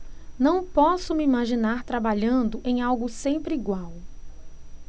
não posso me imaginar trabalhando em algo sempre igual